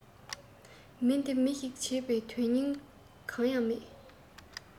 མི འདི མི ཞིག བྱེད པར དོན རྙིང གང ཡང མེད